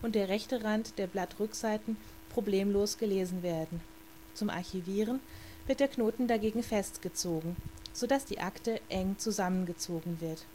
der rechte Rand der Blattrückseiten problemlos gelesen werden. Zum Archivieren wird der Knoten dagegen festgezogen, sodass die Akte eng zusammengezogen wird